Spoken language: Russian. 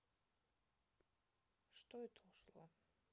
что это ушло